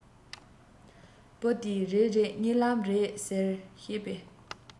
བུ དེས རེད རེད གཉིད ལམ རེད ཟེར བཤད པས